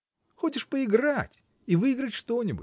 Ходишь поиграть — и выиграть что-нибудь.